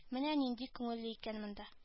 Менә нинди күңелле икән монда